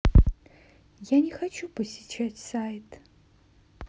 я не хочу посещать сайт